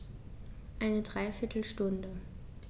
Eine dreiviertel Stunde